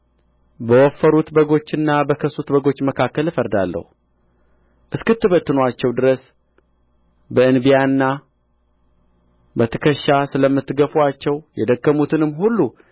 በወፈሩት በጎችና በከሱት በጎች መካከል እፈርዳለሁ እስክትበትኑአቸው ድረስ በእንቢያና በትከሻ ስለምትገፉአቸው የደከሙትንም ሁሉ